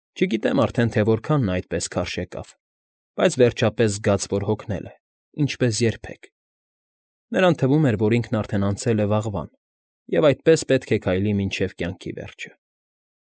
Չգիտեմ արդեն, թե որքան նա այդպես քարշ եկավ, բայց վերջապես զգաց, որ հոգնել է, ինչպես երբեք. նրան թվում էր, որ ինքն արդեն անցել է վաղվան և այդպես պետք է քայլի մինչև կյանքի վերջը։